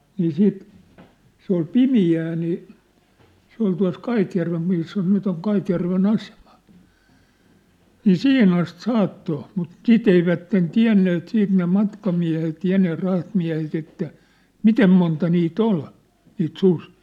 niin sitten se oli pimeää niin se oli tuossa Kaitjärven missä nyt on Kaitjärven asema niin siihen asti saattoi mutta sitä eivät tienneet sitten ne matkamiehet ja ne rahtimiehet että miten monta niitä oli niitä susia